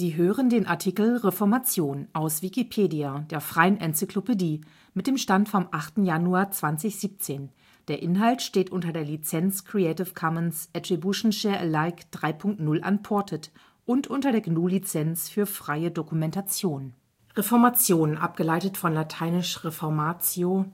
hören den Artikel Reformation, aus Wikipedia, der freien Enzyklopädie. Mit dem Stand vom Der Inhalt steht unter der Lizenz Creative Commons Attribution Share Alike 3 Punkt 0 Unported und unter der GNU Lizenz für freie Dokumentation. Die Konfessionen in Zentraleuropa um 1618 Reformation (lateinisch reformatio